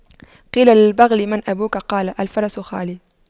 قيل للبغل من أبوك قال الفرس خالي